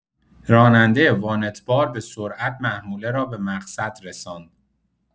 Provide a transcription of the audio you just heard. راننده وانت‌بار به‌سرعت محموله را به مقصد رساند.